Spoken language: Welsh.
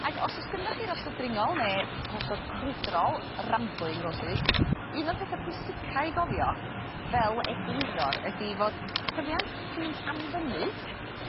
Ag os o's gynddoch chi rosod dringol ne' rhosod crwydrol rambling roses un o'r petha pwysica i gofio fel egwyddor ydi fod tyfiant sy'n mynd am 'i fynnu